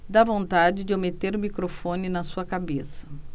dá vontade de eu meter o microfone na sua cabeça